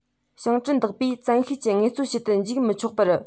ཞིང བྲན བདག པོས བཙན ཤེད ཀྱིས ངལ རྩོལ བྱེད དུ འཇུག མི ཆོག པར